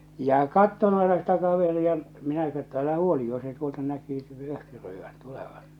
ja katsoin aina sitä kaveria minä - että älähän huoli jo se tuolta näkyy öhkyröivän tulevan